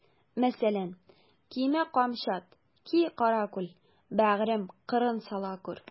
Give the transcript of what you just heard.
Мәсәлән: Кимә камчат, ки каракүл, бәгърем, кырын сала күр.